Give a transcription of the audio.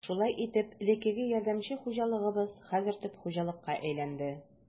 Шулай итеп, элеккеге ярдәмче хуҗалыгыбыз хәзер төп хуҗалыкка әйләнде.